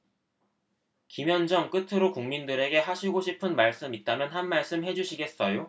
김현정 끝으로 국민들에게 하시고 싶은 말씀 있다면 한 말씀 해주시겠어요